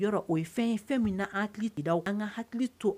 Yɔrɔ o ye fɛn fɛn min na an hakili di an ka hakili to